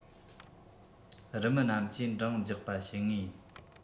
རུ མི རྣམས ཀྱིས འགྲངས རྒྱག པ བྱེད ངེས ཡིན